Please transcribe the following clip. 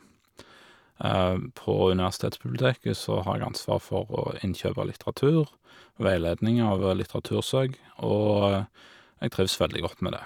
På Universitetsbiblioteket så har jeg ansvar for å innkjøp av litteratur, veiledning av litteratursøk, og jeg trives veldig godt med det.